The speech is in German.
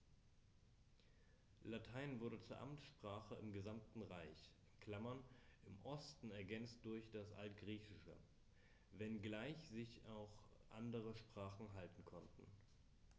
Latein wurde zur Amtssprache im gesamten Reich (im Osten ergänzt durch das Altgriechische), wenngleich sich auch andere Sprachen halten konnten.